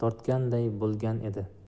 yengil tortganday bo'lgan edi